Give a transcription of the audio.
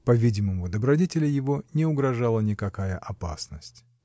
По-видимому, добродетели его не угрожала никакая опасность.